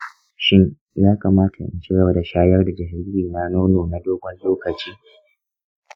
shin ya kamata in ci gaba da shayar da jaririna nono na dogon lokaci?